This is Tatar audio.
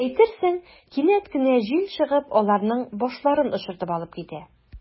Әйтерсең, кинәт кенә җил чыгып, аларның “башларын” очыртып алып китә.